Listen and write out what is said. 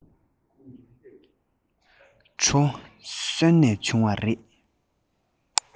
གྲོ སོན ནས བྱུང བ རེད